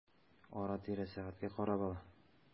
Ара-тирә сәгатькә карап ала.